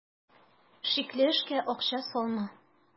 Шикле эшкә акча салма.